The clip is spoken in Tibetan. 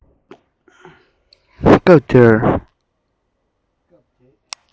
སྐབས དེར